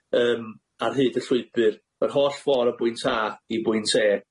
yym ar hyd y llwybyr yr holl ffor o bwynt A i bwynt E.